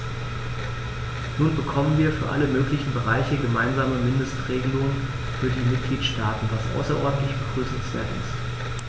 Nun bekommen wir für alle möglichen Bereiche gemeinsame Mindestregelungen für die Mitgliedstaaten, was außerordentlich begrüßenswert ist.